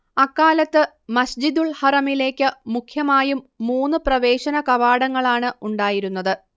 അക്കാലത്ത് മസ്ജിദുൽ ഹറമിലേക്ക് മുഖ്യമായും മൂന്നു പ്രവേശന കവാടങ്ങളാണ് ഉണ്ടായിരുന്നത്